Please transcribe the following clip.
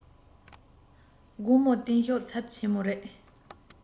དགོང མོ བསྟན བཤུག ཚབས ཆེན མོ རེ